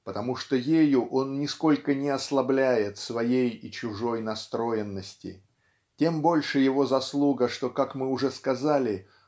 потому что ею он нисколько не ослабляет своей и чужой настроенности. Тем больше его заслуга что как мы уже сказали